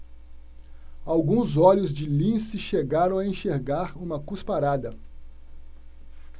alguns olhos de lince chegaram a enxergar uma cusparada